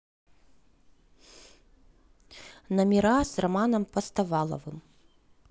номера с романом постоваловым